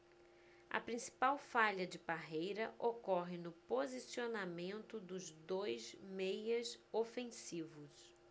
a principal falha de parreira ocorre no posicionamento dos dois meias ofensivos